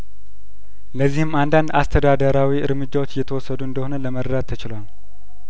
ለዚህም አንዳንድ አስተዳደራዊ እርምጃዎች እየተወሰዱ እንደሆነ ለመረዳት ተችሏል